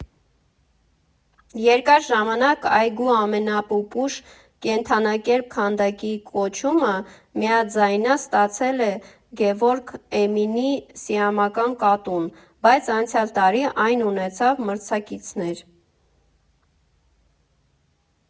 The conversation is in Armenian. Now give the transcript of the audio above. Երկար ժամանակ այգու ամենապուպուշ կենդանակերպ քանդակի կոչումը միանձնյա ստանձնել էր Գևորգ Էմինի սիամական կատուն, բայց անցյալ տարի այն ունեցավ մրցակիցներ.